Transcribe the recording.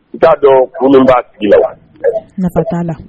N t'a dɔn kunba tile wa